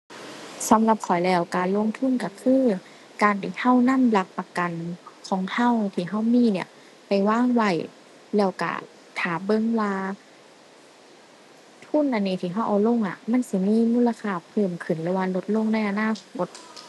สำหรับข้อยแล้วการลงทุนก็คือ การที่ก็นำหลักประกันของก็ที่ก็มีเนี่ย ไปวางไว้แล้วก็ท่าเบิ่งว่า ทุนอันนี้ที่ก็เอาลงอะมันสิมีมูลค่าเพิ่มขึ้น หรือว่าลดลงในอนาคต